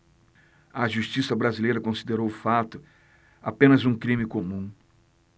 a justiça brasileira considerou o fato apenas um crime comum